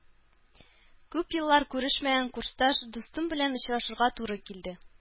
Күп еллар күрешмәгән курсташ дустым белән очрашырга туры килде